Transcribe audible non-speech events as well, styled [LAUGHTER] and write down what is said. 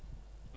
[HESITATION]